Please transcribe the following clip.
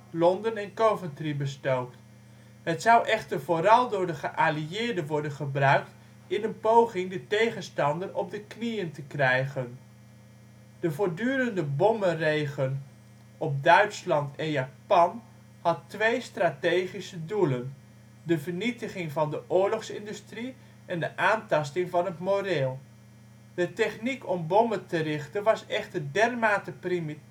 Londen en Coventry bestookt. Het zou echter vooral door de geallieerden worden gebruikt in een poging de tegenstander op de knieën te krijgen. De voortdurende bommenregen op Duitsland en Japan had twee strategische doelen: vernietiging van de oorlogsindustrie en aantasting van het moreel. De techniek om bommen te richten was echter dermate primitief